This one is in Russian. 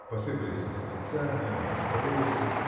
Посыпались восклицания, расспросы